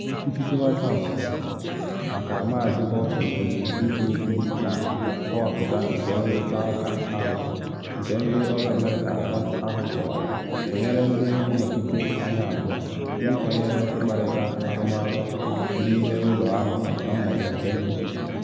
Onye nkwuchite White House maka Maazị Bolton jụrụ ikwu okwu na nkọwapụta nke nrụrịta ụka ahụ nke ndị ọrụ America atọ ahụ kọwara, gụnyere ndị nnọchite anya abụọ, ndị kwenyere ịkparịta arụmarụ ndị ime ụlọ ahụ n’ọnọdụ nke nzuzo.